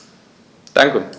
Danke.